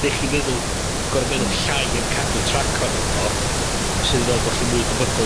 neu' chi feddwl, gor'o' meddwl llai am cadw trac arno fo, sydd yn meddwl bo' chi'n mwy debygol